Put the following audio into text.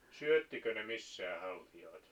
syöttikö ne missä haltioita